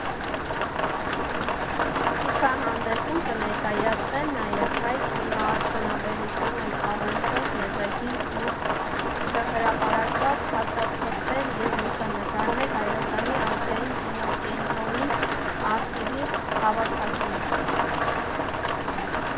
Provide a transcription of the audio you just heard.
Ցուցահանդեսում կներկայացվեն նաև հայ կինոարդյունաբերությանն առնչվող եզակի ու չհրապարակված փաստաթղթեր և լուսանկարներ Հայաստանի ազգային կինոկենտրոնի արխիվի հավաքածուից։